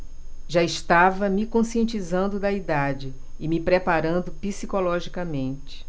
já estava me conscientizando da idade e me preparando psicologicamente